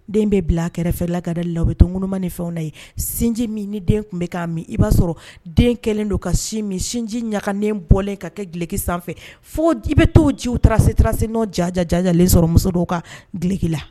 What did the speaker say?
Den bɛ bila a kɛrɛfɛ lagada labe tom ŋuma ni fɛn na ye sinji min ni den tun bɛ'a min i b'a sɔrɔ den kɛlen don ka sin sinji ɲaganen bɔlen ka kɛ giliki sanfɛ fo i bɛ taa ji ta sera se n'o jaja jajalen sɔrɔ muso dɔw ka gki la